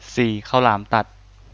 สี่ข้าวหลามตัด